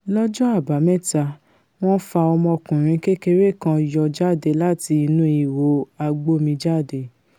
Lọ́jọ́ Àbámẹ́ta, wọ́n fa ọmọkùnrin kékeré kan yọ jáde láti inú ihò agbómijáde.